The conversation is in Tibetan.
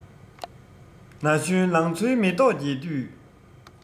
ན གཞོན ལང ཚོའི མེ ཏོག རྒྱས དུས